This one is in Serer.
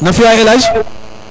nam fio waay Elhaj